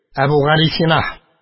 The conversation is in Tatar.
Әбүгалисина